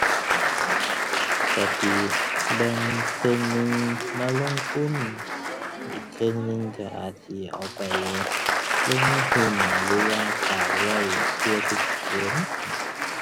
ก็สิแบ่งครึ่งนึงมาลงทุน อีกครึ่งหนึ่งก็อาจสิเอาไปลงในหุ้นหรือว่าฝากไว้ เผื่อฉุกเฉิน